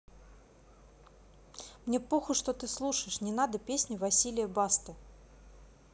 мне похуй что ты слушаешь не надо песни василия басты